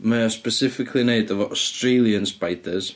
Mae o specifically i wneud efo Australian spiders.